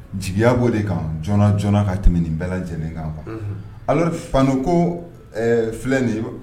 Jigiya b'o de kan joona joona ka tɛmɛn nin bɛɛ lajɛlen kan, unhun, alors fani ko ɛ filɛ ni ye